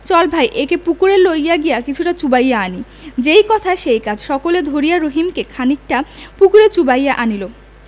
চল ভাই একে পুকুরে লইয়া গিয়া কিছুটা চুবাইয়া আনি যেই কথা সেই কাজ সকলে ধরিয়া রহিমকে খনিকটা পুকুরে চুবাইয়া আনিল